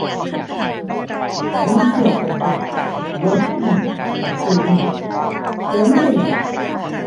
คันแม่นเทียบกันกับการลงทุนหรือการซื้อหุ้น ข้อยว่ามันได้น้อย